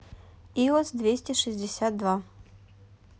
ios двести шестьдесят два